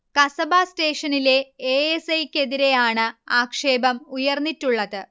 കസബ സ്റ്റേഷനിലെ A. S. I. ക്ക് എതിരെയാണ് ആക്ഷേപം ഉയർന്നിട്ടുള്ളത്